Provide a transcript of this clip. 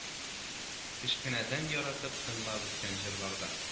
Кечкенәдән яратып тыңлап үскән ырларда